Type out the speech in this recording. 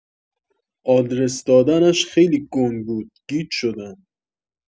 آدرس دادنش خیلی گنگ بود گیج شدم